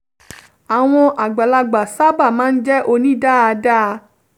Àwọn àgbàlagbà sáábà máa ń jẹ́ onídáadáa.